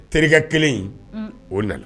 Terikɛ kelen in un o nana.